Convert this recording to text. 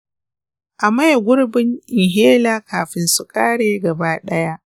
a maye gurbin inhalers kafin su ƙare gaba ɗaya.